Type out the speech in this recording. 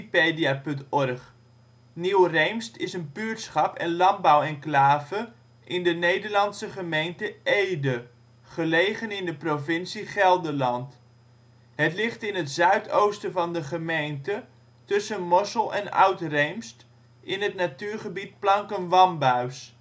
02 ' NB, 5° 46 ' OL Nieuw-Reemst Plaats in Nederland Situering Provincie Gelderland Gemeente Ede Coördinaten 52° 3′ NB, 5° 47′ OL Portaal Nederland Nieuw-Reemst is een buurtschap en landbouwenclave in de Nederlandse gemeente Ede, gelegen in de provincie Gelderland. Het ligt in het zuidoosten van de gemeente tussen Mossel en Oud-Reemst in het natuurgebied Planken Wambuis